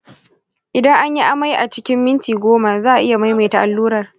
idan anyi amai cikin minti goma, za a maimaita allurar.